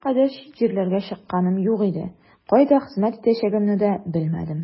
Моңа кадәр чит җирләргә чыкканым юк иде, кайда хезмәт итәчәгемне дә белмәдем.